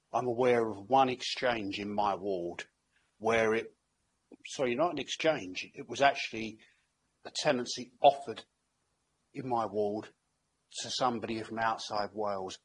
I'm aware of one exchange in my ward where it- sorry not an exchange, it was actually a tenancy offered in my ward to somebody from outside Wales.